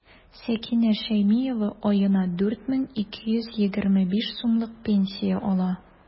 Сәкинә Шәймиева аена 4 мең 225 сумлык пенсия ала.